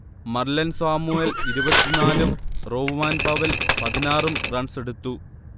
Marlon Samuel ഇരുപത്തി നാല് ഉം റോവ്മാൻ പവൽ പതിനാറ് ഉം റൺസെടുത്തു